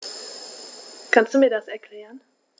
Kannst du mir das erklären?